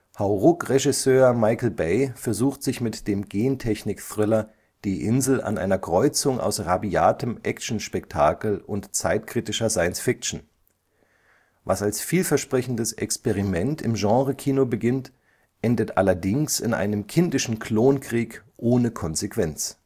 Hauruck-Regisseur Michael Bay versucht sich mit dem Gentechnik-Thriller Die Insel an einer Kreuzung aus rabiatem Actionspektakel und zeitkritischer Science-Fiction. Was als vielversprechendes Experiment im Genrekino beginnt, endet allerdings in einem kindischen Klonkrieg ohne Konsequenz